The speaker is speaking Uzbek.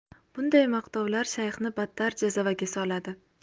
bunday maqtovlar shayxni battar jazavaga soladi